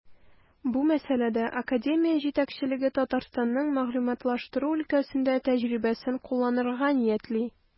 Бу мәсьәләдә академия җитәкчелеге Татарстанның мәгълүматлаштыру өлкәсендә тәҗрибәсен кулланырга ниятли.